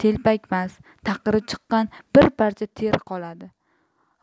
telpakmas taqiri chiqqan bir parcha teri qoladi